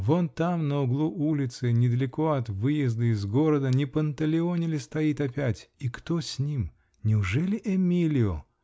Вон там, на углу улицы, недалеко от выезда из города, не Панталеоне ли стоит опять -- и кто с ним? Неужели Эмилио?